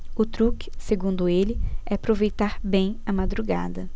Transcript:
o truque segundo ele é aproveitar bem a madrugada